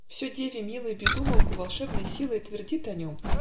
все деве милой Без умолку волшебной силой Твердит о нем.